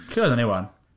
Lle oedden ni 'wan?